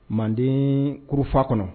Manden kurufa kɔnɔ